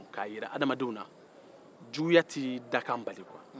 k'a jira adamadenw na juguya tɛ dakan bali